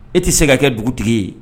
E tɛ se ka kɛ dugu tigi ye.